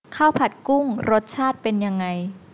ข้าวผัดกุ้งรสชาติเป็นยังไง